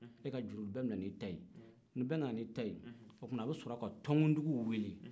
e ka juru dun bɛɛ bɛ nan'i ta ye ni bɛɛ nan'i ta ye a bɛ sɔrɔ ka tɔnkuntigiw wele